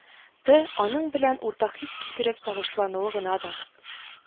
Ты, аның белән уртак хис кичереп сагышлануы гына да